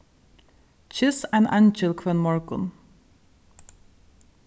kyss ein eingil hvønn morgun